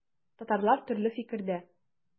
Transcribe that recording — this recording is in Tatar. Татарлар төрле фикердә.